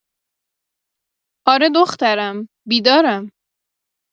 آره دخترم، بیدارم.